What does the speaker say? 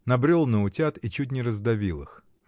набрел на утят и чуть не раздавил их.